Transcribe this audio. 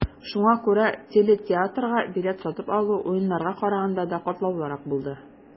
Шуңа күрә телетеатрга билет сатып алу, Уеннарга караганда да катлаулырак булды.